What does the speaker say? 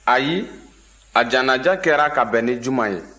ayi a janaja kɛra ka bɛn ni juma ye